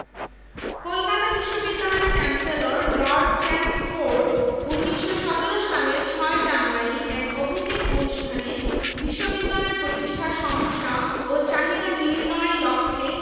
সচিবালয় সরকারি ছাপাখানা সরকারি কর্মকর্তাদের আবাসস্থল ও ছোটখাট ইমারত ওই এলাকার অন্তর্ভুক্ত করা হয়